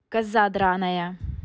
коза драная